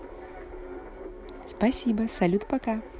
спасибо салют пока